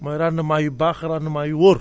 mooy rendement yu baax rendement yu wóor